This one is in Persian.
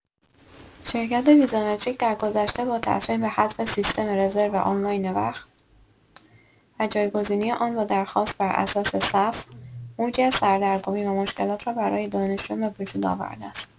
شرکت ویزامتریک درگذشته با تصمیم به حذف سیستم رزرو آنلاین وقت و جایگزینی آن با درخواست براساس صف، موجی از سردرگمی و مشکلات را برای دانشجویان به وجود آورده است.